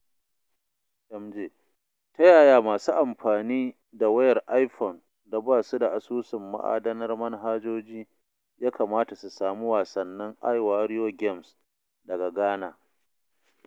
MJ: Ta yaya masu amfanin da wayar iphone da ba su da asusun ma'adanar manhajoji ya kamata su samu wasannin iWarrior Games daga Ghana?